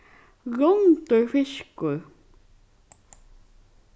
rundur fiskur